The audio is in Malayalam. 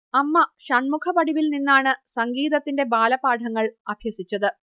അമ്മ ഷൺമുഖവടിവിൽ നിന്നാണ് സംഗീതത്തിന്റെ ബാലപാഠങ്ങൾ അഭ്യസിച്ചത്